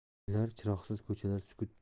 uylar chiroqsiz ko'chalar sukutda